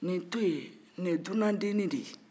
nin to yen nin dunan deni de y